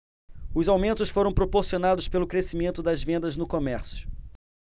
os aumentos foram proporcionados pelo crescimento das vendas no comércio